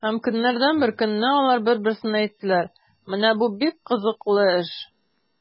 Һәм көннәрдән бер көнне алар бер-берсенә әйттеләр: “Менә бу бик кызыклы эш!”